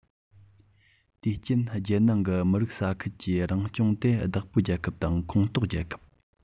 དེའི རྐྱེན རྒྱལ ནང གི མི རིགས ས ཁུལ གྱི རང སྐྱོང དེ བདག པོའི རྒྱལ ཁབ དང ཁོངས གཏོགས རྒྱལ ཁབ